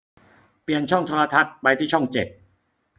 เปลี่ยนช่องโทรทัศน์ไปที่ช่องเจ็ด